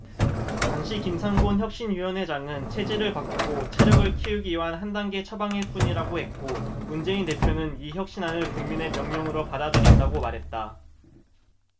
당시 김상곤 혁신위원회장은 체질을 바꾸고 체력을 키우기 위한 한 단계 처방일 뿐이라고 했고 문재인 대표는 이 혁신안을 국민의 명령으로 받아들인다고 말했다